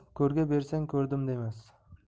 ko'rga bersang ko'rdim demas